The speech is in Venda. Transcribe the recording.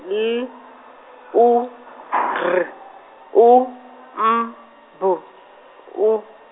L, U, R, U, M, B, U.